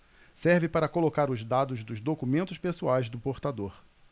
serve para colocar os dados dos documentos pessoais do portador